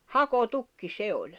hakotukki se oli